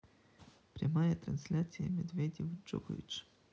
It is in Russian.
прямая трансляция медведев джокович